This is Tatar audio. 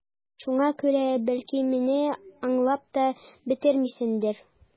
Шуңа күрә, бәлки, мине аңлап та бетермисеңдер...